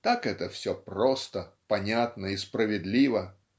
Так это все просто, понятно и справедливо.